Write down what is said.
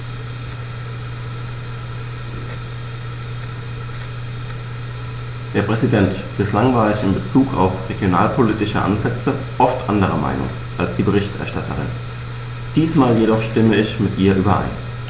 Herr Präsident, bislang war ich in bezug auf regionalpolitische Ansätze oft anderer Meinung als die Berichterstatterin, diesmal jedoch stimme ich mit ihr überein.